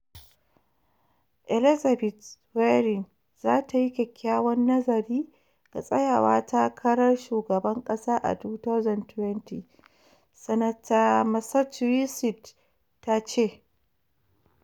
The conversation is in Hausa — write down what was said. Elizabeth Warren za ta yi "kyakkyawan nazari" ga Tsayawa takarar Shugaban kasa a 2020, Sanata Massachusetts ta ce